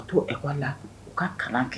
To école la .u ka kalan